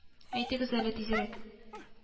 Әйтегез әле тизрәк